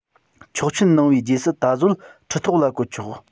ཆོག མཆན གནང བའི རྗེས སུ ད གཟོད ཁྲི ཐོག ལ བཀོད ཆོག